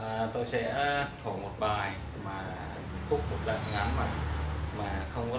tôi sẽ thổi một đoạn mà không có rung